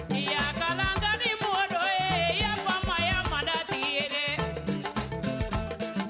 Miniyan yakala kɛ mɔgɔ ye ye faya fa tilei la